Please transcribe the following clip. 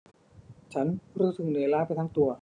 ฉันรู้สึกเหนื่อยล้าไปทั้งตัว